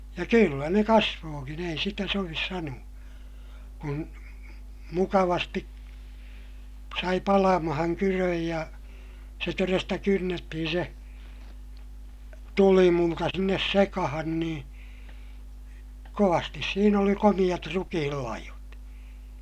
ja kyllä ne kasvoikin ei sitä sovi sanoa kun mukavasti sai palamaan kydön ja se todesta kynnettiin se tulimulta sinne sekaan niin kovasti siinä oli komeat rukiinlaihot